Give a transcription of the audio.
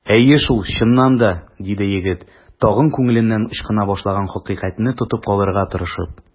Әйе шул, чыннан да! - диде егет, тагын күңеленнән ычкына башлаган хакыйкатьне тотып калырга тырышып.